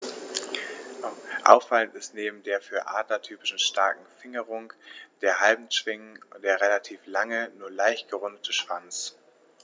Auffallend ist neben der für Adler typischen starken Fingerung der Handschwingen der relativ lange, nur leicht gerundete Schwanz.